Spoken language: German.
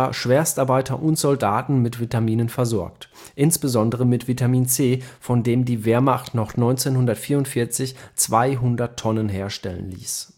Schwerstarbeiter und Soldaten mit Vitaminen versorgt, insbesondere mit Vitamin C, von dem die Wehrmacht noch 1944 200 Tonnen herstellen ließ